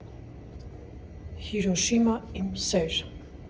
Հիրոշիմա, իմ սեր։